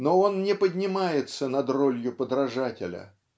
но он не поднимается над ролью подражателя.